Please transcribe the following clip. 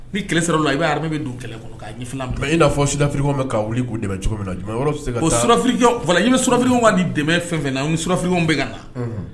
Ni kɛlɛ sera la i bɛ ha bɛ kɛlɛ kɔnɔ i'a sudafili bɛ ka wuli dɛ cogo min na su i bɛ sufiliw ka di dɛmɛ fɛn fɛ na sufiliw bɛ ka na